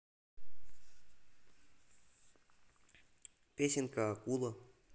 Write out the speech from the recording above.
песенка акула